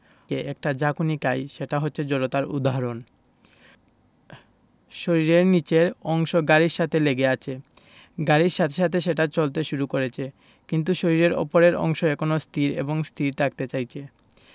একটা ঝাঁকুনি খাই সেটা হচ্ছে জড়তার উদাহরণ শরীরের নিচের অংশ গাড়ির সাথে লেগে আছে গাড়ির সাথে সাথে সেটা চলতে শুরু করেছে কিন্তু শরীরের ওপরের অংশ এখনো স্থির এবং স্থির থাকতে চাইছে